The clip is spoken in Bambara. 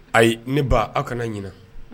Ayi ne ba aw kana ɲin